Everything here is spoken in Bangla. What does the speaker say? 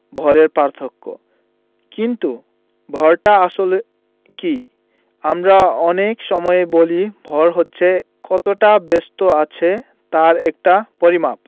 ভরের পার্থক্য কিন্তু ভরটা আসলে কী আমরা অনেক সময়েই বলি ভর হচ্ছে কতটা বস্তু আছে তার একটা পরিমাপ